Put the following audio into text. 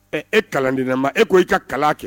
Ɛ e kalan di ma e ko i ka kala kɛ